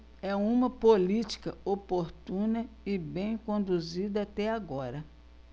é uma política oportuna e bem conduzida até agora